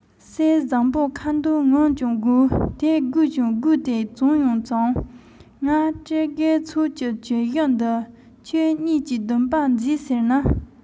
གསེར བཟང པོའི ཁ དོག ངོམས ཀྱང དགོས དེ དགོས ཀྱང དགོས ཏེ བྱུང ཡང བྱུང ངེད བྱ སྤྲེལ ཚོགས ཀྱི གྱོད གཞི འདི ཁྱེད གཉིས ཀྱིས སྡུམ པ མཛད ཟེར ན